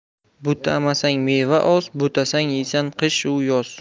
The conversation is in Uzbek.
butamasang meva oz butasang yeysan qish u yoz